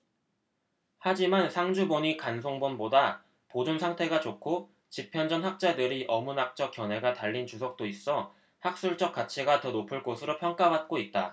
하지만 상주본이 간송본보다 보존 상태가 좋고 집현전 학자들의 어문학적 견해가 달린 주석도 있어 학술적 가치가 더 높을 것으로 평가받고 있다